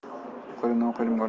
bu qo'limdan u qo'limga olaman